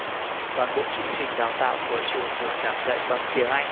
toàn bộ chương trình đào tạo của trường được giảng dạy bằng tiếng anh